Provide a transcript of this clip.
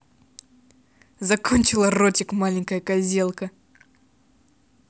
закончила ротик маленькая козелка